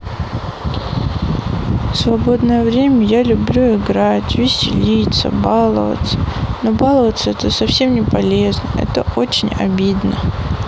свободное время я люблю играть виселица баловаться но баловатся это совсем не полезно это очень обидно